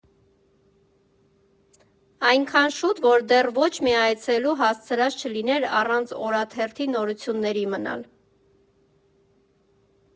Այնքան շուտ, որ դեռ ոչ մի այցելու հասցրած չլիներ առանց օրաթերթի նորությունների մնալ։